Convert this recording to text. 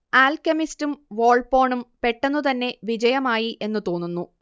ആൽക്കെമിസ്റ്റും വോൾപ്പോണും പെട്ടെന്നുതന്നെ വിജയമായി എന്നു തോന്നുന്നു